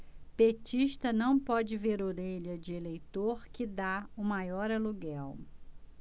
petista não pode ver orelha de eleitor que tá o maior aluguel